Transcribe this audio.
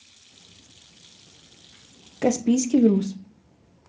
каспийский груз